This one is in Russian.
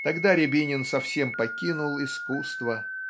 Тогда Рябинин совсем покинул искусство